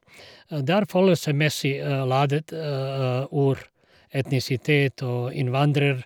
Og det er følelsesmessig ladet ord, etnisitet og innvandrer.